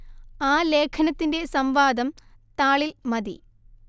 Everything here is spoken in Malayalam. ആ ലേഖനത്തിന്റെ സം‌വാദം താളില്‍ മതി